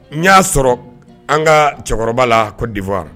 N'i y'a sɔrɔ an ka cɛkɔrɔba la ko diwa